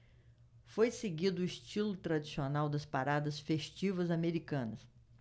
foi seguido o estilo tradicional das paradas festivas americanas